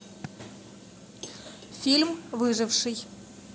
фильм выживший